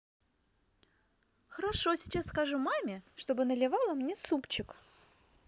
хорошо сейчас скажу маме чтобы наливала мне супчик